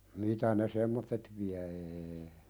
mitä ne semmoiset vie ei